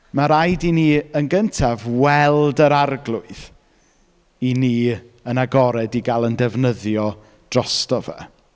Ma' rhaid i ni yn gyntaf, weld yr arglwydd i ni yn agored i gael ein defnyddio drosto fe.